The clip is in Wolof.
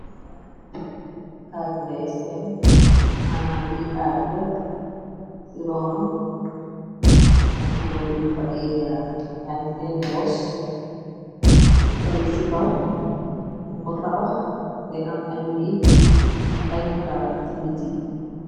Acch ngay sèèn manam lii acch la ci ronnam am na motu yu fadee jaar yangi sèèn boss be pare ci kaw ñing ko tabax te am ay wiit ak ay nital ci wet yi.